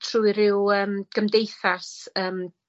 trwy ryw yym gymdeithas yym